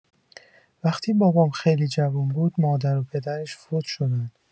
وقتی بابام خیلی جوون بود مادر و پدرش فوت شدن